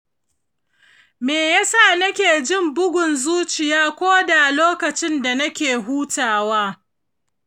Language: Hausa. me ya sa nake jin bugun zuciyata ko da lokacin da nake hutawa?